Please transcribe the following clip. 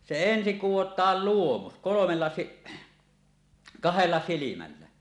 se ensin kudotaan luomus kolmella - kahdella silmällä